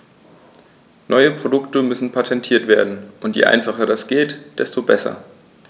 Neue Produkte müssen patentiert werden, und je einfacher das geht, desto besser.